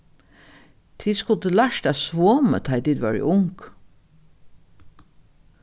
tit skuldu lært at svomið tá ið tit vóru ung